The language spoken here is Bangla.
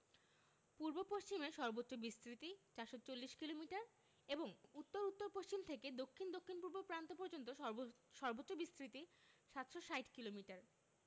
পূর্ব পশ্চিমে সর্বোচ্চ বিস্তৃতি ৪৪০ কিলোমিটার এবং উত্তর উত্তর পশ্চিম থেকে দক্ষিণ দক্ষিণপূর্ব প্রান্ত পর্যন্ত সর্বোচ্চ বিস্তৃতি ৭৬০ কিলোমিটার